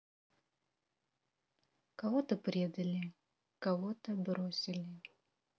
кого то предали кого то бросили